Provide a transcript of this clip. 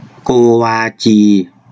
โกวาจี